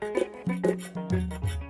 Sanunɛ yo